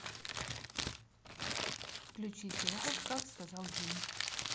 включи сериал как сказал джим